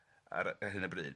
ar y ar hyn o bryd.